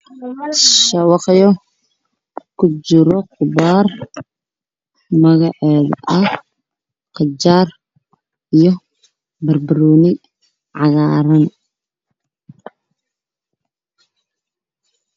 Waa sha baqyo ku jiraan qajaar